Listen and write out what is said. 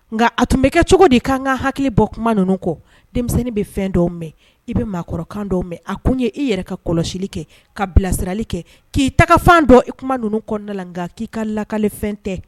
Nga a tun be kɛ cogo di kan ka hakili bɔ kuma nunun kɔ ? Denmisɛnninw by fan dɔw mɛn , i bɛ maakɔrɔkan dɔw mɛn a kun ye e yɛrɛ ka kɔlɔsili kɛ ka bilasirali kɛ ki tagafan dɔn kuma nunun kɔnɔna la nga ki ka lakali fɛn tɛ.